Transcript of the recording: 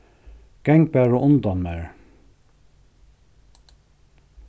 gang bara undan mær